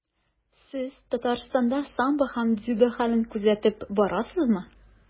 Сез Татарстанда самбо һәм дзюдо хәлен күзәтеп барасызмы?